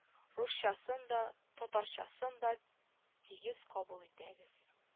Русчасын да татарчасын да тигез кабул итәбез